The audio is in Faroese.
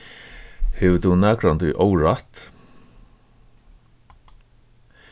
hevur tú nakrantíð órætt